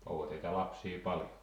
onko teitä lapsia paljon